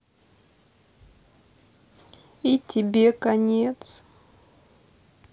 и тебе конец